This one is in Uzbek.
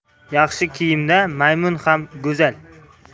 yaxshi kiyimda maymun ham go'zal